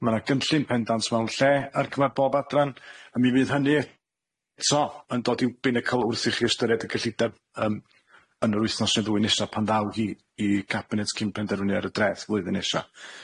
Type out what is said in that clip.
Ma na gynllun pendant mewn lle ar gyfer bob adran a mi fydd hynny eto yn dod i'w binacl wrth i chi ystyried y cyllideb yym yn yr wythnos ne ddwy nesa pan ddaw hi i gabinet cyn penderfynu ar y dreth flwyddyn nesa.